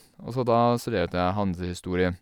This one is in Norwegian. Og så da studerte jeg Hansahistorie.